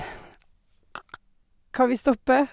ka ka Kan vi stoppe?